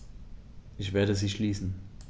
Ich werde sie schließen.